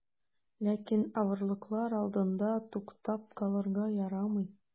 Ләкин авырлыклар алдында туктап калырга ярамый.